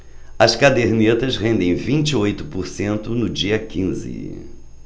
as cadernetas rendem vinte e oito por cento no dia quinze